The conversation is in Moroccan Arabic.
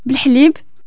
بلحليب